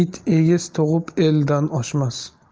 it egiz tug'ib eldan oshmas